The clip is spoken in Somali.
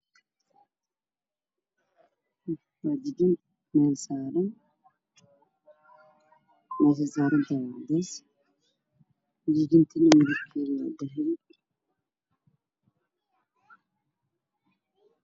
Waa jijin meel saaran meeshay saarnatahayna waa cadees jijinta midabkeeduna waa guduud